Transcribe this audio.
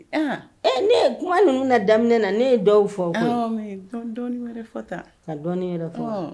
Aa ee ne ye kuma ninnu na daminɛ na ne ye dɔw fɔ koyi, awoɔ mais dɔɔni wɛrɛ fɔ